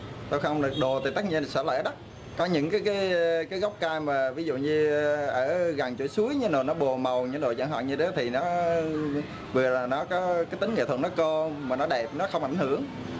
tôi không lận đổ thì tất nhiên sẽ lãi đó cũng như những cái cái cái gốc cây mà ví dụ như ở gần suối nó pồ màu những đồ chẳng hạn như đó thì nó vừa rồi nó có tính nghệ thuật rất cô mà nó đẹp nó không ảnh hưởng